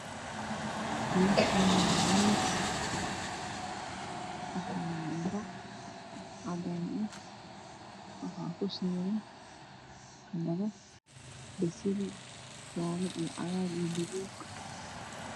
Meeshaani waa miis waxaa yaalo baca cadaan ku sawiran kalaro basali